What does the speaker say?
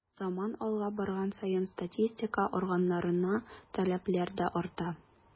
Заман алга барган саен статистика органнарына таләпләр дә арта.